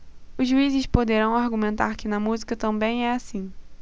os juízes poderão argumentar que na música também é assim